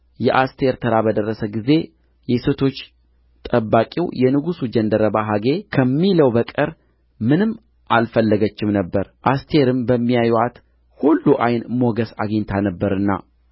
የአስቴር ተራ በደረሰ ጊዜ የሴቶች ጠባቂው የንጉሡ ጃንደረባ ሄጌ ከሚለው በቀር ምንም አልፈለገችም ነበር አስቴርም በሚያዩአት ሁሉ ዓይን ሞገስ አግኝታ ነበርና